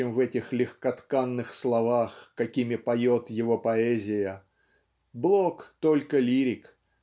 чем в этих легкотканых словах какими поет его поэзия. Блок - только лирик.